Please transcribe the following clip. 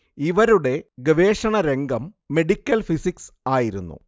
ഇവരുടെ ഗവേഷണ രംഗം മെഡിക്കൽ ഫിസിക്സ് ആയിരുന്നു